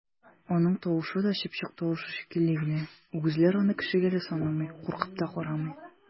Аның тавышы да чыпчык тавышы шикелле генә, үгезләр аны кешегә дә санамый, куркып та карамый!